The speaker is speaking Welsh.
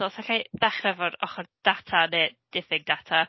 So os alla i ddechrau efo'r ochr data, neu diffyg data.